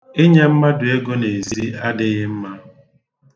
Ịnye mmadụ ego n'ezi adịghị mma.